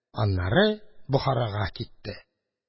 Аннары Бохарага китте.